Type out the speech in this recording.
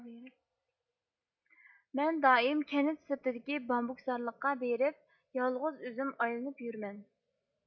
مەن دائىم كەنت سىرتىدىكى بامبۇكزارلىققا بېرىپ يالغۇز ئۆزۈم ئايلىنىپ يۈرىمەن